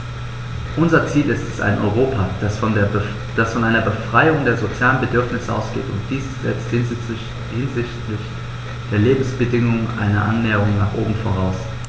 Unser Ziel ist ein Europa, das von einer Befriedigung der sozialen Bedürfnisse ausgeht, und dies setzt hinsichtlich der Lebensbedingungen eine Annäherung nach oben voraus.